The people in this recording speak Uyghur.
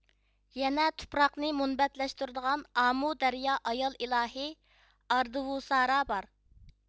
يەنە تۇپراقنى مۇنبەتلەشتۈرىدىغان ئامۇ دەريا ئايال ئىلاھى ئاردىۋسۇرا بار